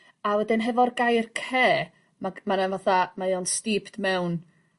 A wedyn hefo'r gair care ma' g- ma' 'na fatha mae o'n steeped mewn